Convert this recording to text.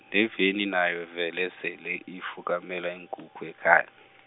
neveni nayo vele sele ifukamela iinkukhu ekhaya.